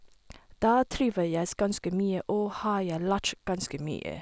Der trive jegs ganske mye og har jeg lært ganske mye.